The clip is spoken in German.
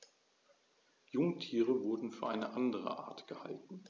Jungtiere wurden für eine andere Art gehalten.